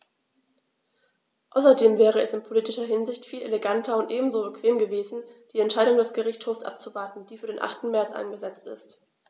Außerdem wäre es in politischer Hinsicht viel eleganter und ebenso bequem gewesen, die Entscheidung des Gerichtshofs abzuwarten, die für den 8. März angesetzt ist.